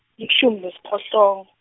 lishumi nesiphohlongo.